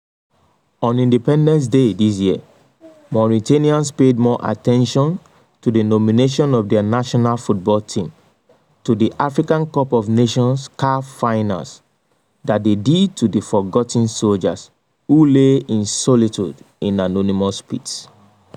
On Independence Day this year, Mauritanians paid more attention to the nomination of their national football team to the Africa Cup of Nations (CAF) finals than they did to the forgotten “soldiers [who] lay in solitude in anonymous pits ...